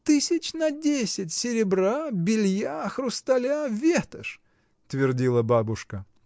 Тысяч на десять серебра, белья, хрусталя — ветошь! —твердила бабушка.